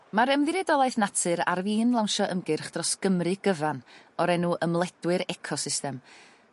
Ma'r Ymddiriedolaeth Natur ar fin lawnsio ymgyrch dros Gymru gyfan o'r enw ymledwyr ecosystem.